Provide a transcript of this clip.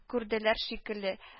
Күрделәр шикелле